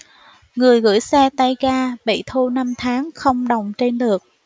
người gửi xe tay ga bị thu năm tháng không đồng trên lượt